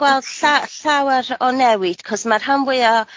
...gweld lla- yy llawer o newid 'c'os ma'r rhan fwy o